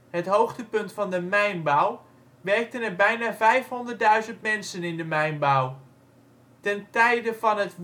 het hoogtepunt van de mijnbouw, werkten er bijna 500.000 mensen in de mijnbouw. Ten tijde van het